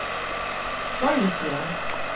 fleiri sløg